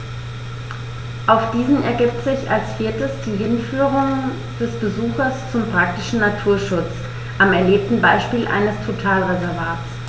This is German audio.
Aus diesen ergibt sich als viertes die Hinführung des Besuchers zum praktischen Naturschutz am erlebten Beispiel eines Totalreservats.